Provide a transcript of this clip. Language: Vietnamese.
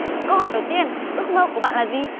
câu hỏi đầu tiên ước mơ của bạn là gì